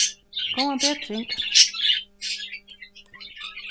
góða betring